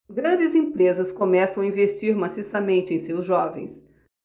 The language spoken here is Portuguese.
grandes empresas começam a investir maciçamente em seus jovens